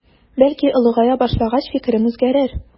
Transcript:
Бәлки олыгая башлагач фикерем үзгәрер.